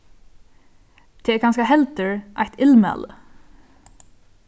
tað er kanska heldur eitt illmæli